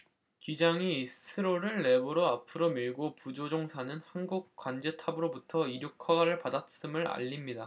기장이 스로틀 레버를 앞으로 밀고 부조종사는 항공 관제탑으로부터 이륙 허가를 받았음을 알립니다